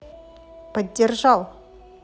поддержал